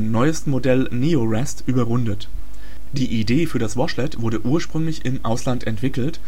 neuesten Modell Neorest überrundet. Die Idee für das Washlet wurde ursprünglich im Ausland entwickelt